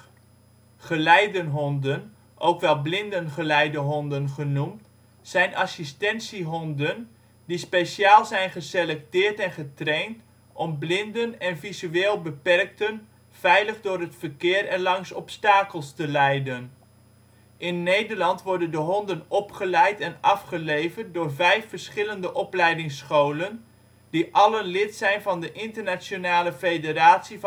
Geleidehonden (ook wel blindengeleidehonden genoemd) zijn assistentiehonden die speciaal zijn geselecteerd en getraind om blinden en visueel beperkten veilig door het verkeer en langs obstakels te leiden. In Nederland worden de honden opgeleid en afgeleverd door vijf verschillende opleidingsscholen die allen lid zijn van de Internationale Federatie